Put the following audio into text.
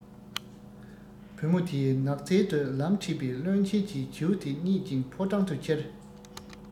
བུ མོ དེས ནགས ཚལ དུ ལམ ཁྲིད པས བློན ཆེན གྱིས བྱིའུ དེ ཪྙེད ཅིང ཕོ བྲང དུ ཁྱེར